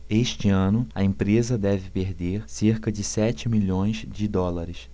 este ano a empresa deve perder cerca de sete milhões de dólares